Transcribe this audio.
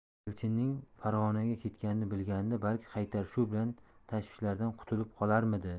elchinning farg'onaga ketganini bilganida balki qaytar shu bilan tashvishlardan qutulib qolarmidi